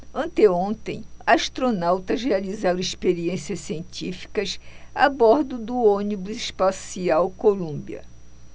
anteontem astronautas realizaram experiências científicas a bordo do ônibus espacial columbia